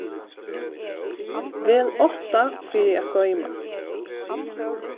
vel átta fyri at goyma